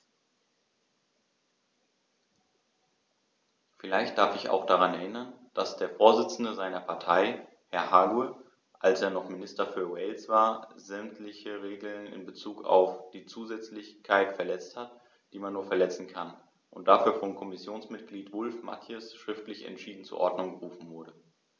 Vielleicht darf ich ihn auch daran erinnern, dass der Vorsitzende seiner Partei, Herr Hague, als er noch Minister für Wales war, sämtliche Regeln in bezug auf die Zusätzlichkeit verletzt hat, die man nur verletzen kann, und dafür von Kommissionsmitglied Wulf-Mathies schriftlich entschieden zur Ordnung gerufen wurde.